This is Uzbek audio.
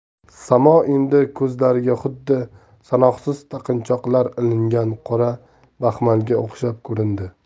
samo endi ko'zlariga xuddi sanoqsiz taqinchoqlar ilingan qora baxmalga o'xshab ko'rindi